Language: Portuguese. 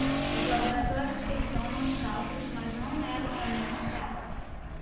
os laboratórios questionam os cálculos mas não negam aumentos reais